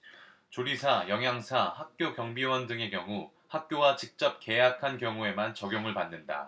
조리사 영양사 학교 경비원 등의 경우 학교와 직접 계약한 경우에만 적용을 받는다